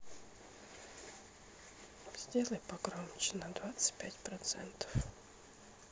сделай погромче на двадцать пять процентов